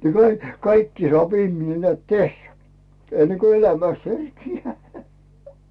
niin - kaikki saa ihminen näet tehdä ennen kun elämästä herkeää